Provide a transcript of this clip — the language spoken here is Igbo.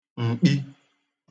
m̀kpi